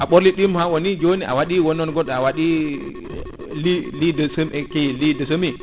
a ɓorliɗima ha woni joni a waɗi wonno non goɗɗo a waɗi lit lit de qui li de semi